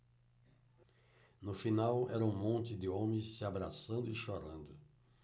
no final era um monte de homens se abraçando e chorando